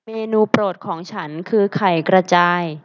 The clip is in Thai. เมนูโปรดของฉันคือไข่กระจาย